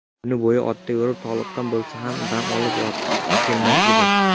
kuni bo'yi otda yurib toliqqan bo'lsa ham dam olib yotgisi kelmas edi